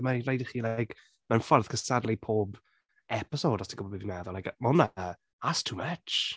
Mae rhaid i chi like, mewn ffordd cystadlu pob episode os ti’n gwybod beth fi’n meddwl. Mae hwnna fatha, that’s too much.